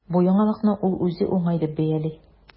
Бу яңалыкны ул үзе уңай дип бәяли.